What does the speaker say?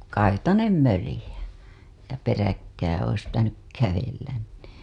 kaitainen möljä ja peräkkäin olisi pitänyt kävellä niin